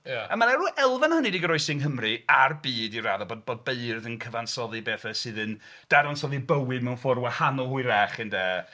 Ia.... A mae 'na ryw elfen o hynny wedi goroesi yn Nghymru a'r byd, i raddau, bod... bod beirdd yn cyfansoddi pethau sy'n dadansoddi bywyd mewn ffordd gwahanol hwyrach, ynde.